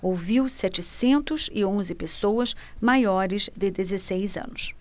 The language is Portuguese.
ouviu setecentos e onze pessoas maiores de dezesseis anos